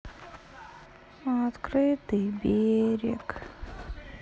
открытый берег